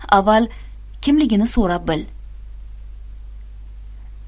avval kimligini so'rab bil